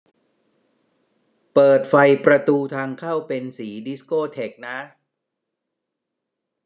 เปิดไฟประตูทางเข้าเป็นสีดิสโก้เทคนะ